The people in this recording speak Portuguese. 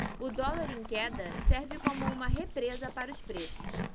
o dólar em queda serve como uma represa para os preços